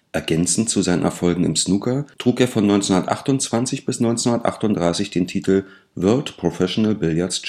Ergänzend zu seinen Erfolgen im Snooker trug er von 1928 bis 1938 den Titel World Professional Billards